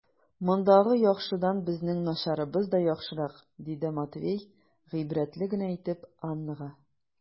Мондагы яхшыдан безнең начарыбыз да яхшырак, - диде Матвей гыйбрәтле генә итеп Аннага.